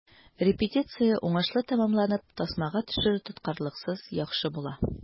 Репетиция уңышлы тәмамланып, тасмага төшерү тоткарлыксыз яхшы була.